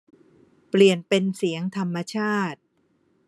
เปลี่ยนเป็นเสียงธรรมชาติ